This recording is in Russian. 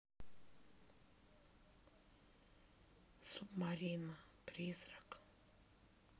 субмарина призрак